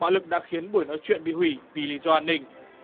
bạo lực đã khiến buổi nói chuyện bị hủy vì lý do an ninh